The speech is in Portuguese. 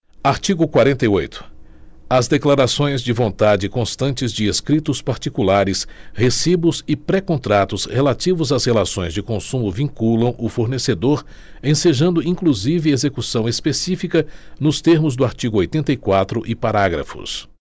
artigo quarenta e oito as declarações de vontade constantes de escritos particulares recibos e précontratos relativos às relações de consumo vinculam o fornecedor ensejando inclusive execução específica nos termos do artigo oitenta e quatro e parágrafos